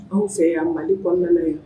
Anw fɛ yan mali kɔn nana ye